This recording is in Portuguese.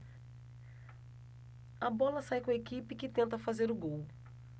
a bola sai com a equipe que tenta fazer o gol